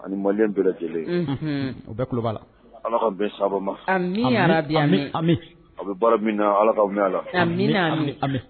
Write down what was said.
Ani man bɛ lajɛlen o bɛba la ala bɛ sababu ma a bɛ min ala'